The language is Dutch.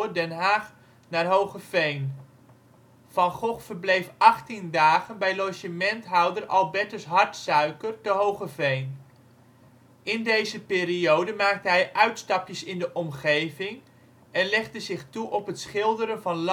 Den Haag) naar Hoogeveen. Van Gogh verbleef 18 dagen bij logementhouder Albertus Hartsuiker te Hoogeveen. In deze periode maakte hij uitstapjes in de omgeving en legde zich toe op het schilderen van